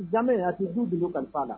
Jama in hakili du dugu kalifa la